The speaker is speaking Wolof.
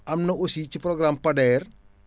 am na aussi ci programme Pader